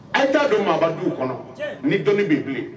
A ye t'a dɔn maadugu kɔnɔ ni dɔnnii bɛ bilen